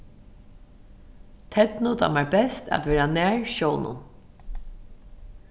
ternu dámar best at vera nær sjónum